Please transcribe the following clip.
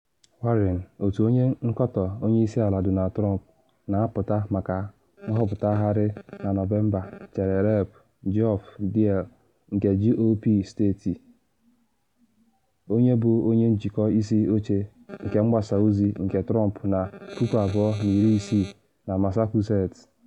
Warren, otu onye nkọtọ Onye Isi Ala Donald Trump, na apụta maka nhọpụtagharị na Nọvemba chere Rep. Geoff Diehl nke GOP steeti, onye bụ onye njikọ isi oche nke mgbasa ozi nke Trump na 2016 na Massachusetts.